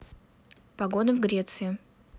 погода в греции